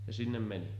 ja sinne meni